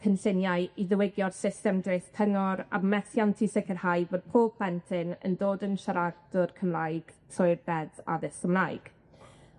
cynlluniau i ddiwygio'r system dreth cyngor a methiant i sicirhau fod pob plentyn yn dod yn siaradwr Cymraeg trwy'r deddf addysg Gymraeg.